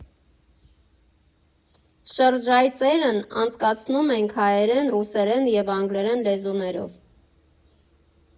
Շրջայցներն անցկացնում ենք հայերեն, ռուսերեն և անգլերեն լեզուներով։